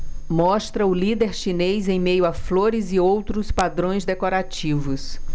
mostra o líder chinês em meio a flores e outros padrões decorativos